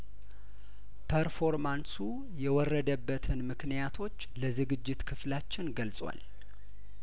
ፐርፎርማንሱ የወረደበትን ምክንያቶች ለዝግጅት ክፍላችን ገልጿል